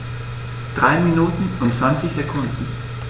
3 Minuten und 20 Sekunden